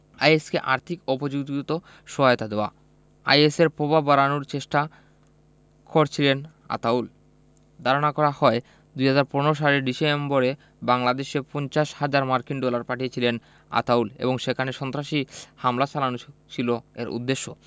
is কে আর্থিক ও প্রযুক্তিগত সহায়তা দেওয়া আইএসের প্রভাব বাড়ানোর চেষ্টা করছিলেন আতাউল ধারণা করা হয় ২০১৫ সালের ডিসেম্বরে বাংলাদেশে ৫০ হাজার মার্কিন ডলার পাঠিয়েছিলেন আতাউল এবং সেখানে সন্ত্রাসী হামলা চালানো ছিল এর উদ্দেশ্য